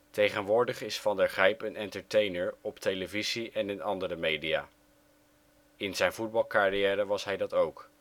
Tegenwoordig is Van der Gijp een entertainer op televisie en in andere media. In zijn voetbalcarrière was hij dat ook